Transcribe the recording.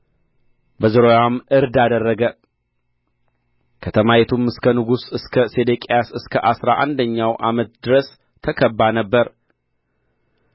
በዙሪያዋም ዕርድ አደረገ ከተማይቱም እስከ ንጉሡ እስከ ሴዴቅያስ እስከ አሥራ አንደኛው ዓመት ድረስ ተከብባ ነበር